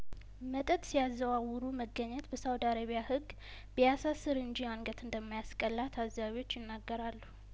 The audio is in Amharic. መጠጥ ሲያዘዋውሩ መገኘት በሳውዲ አረቢያህግ ቢያሳ ስር እንጂ አንገትን እንደማያስ ቀላ ታዛቢዎች ይናገራሉ